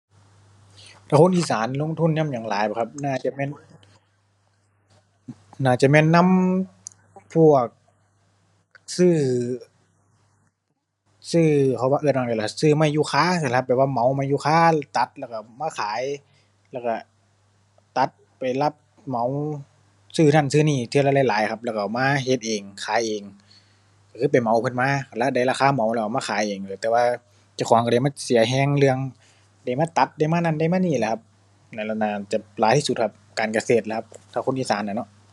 ถ้าคนอีสานลงทุนนำหยังหลายบ่ครับ น่าจะแม่น น่าจะแม่นนำพวกซื้อ ซื้อ เขาว่า เอิ้นหยังนี้ล่ะ ซื้อไม้ยูคาจั่งซี้ล่ะครับ แบบว่าเหมาไม้ยูคา ตัดแล้วก็เอามาขาย แล้วก็ตัดไปรับเหมาซื้อนั้นซื้อนี้ เทื่อละหลายหลายครับ แล้วก็เอามาเฮ็ดเองขายเอง ก็คือไปเหมาเพิ่นมา ละได้ราคาเหมาแล้วมาขายเองด้วย แต่ว่าเจ้าของก็ได้มาเสียก็เรื่องได้มาตัด ได้มานั้น ได้มานี้ล่ะครับ นั่นแหละน่าจะหลายที่สุดครับ การเกษตรล่ะครับ ถ้าคนอีสานอะเนาะ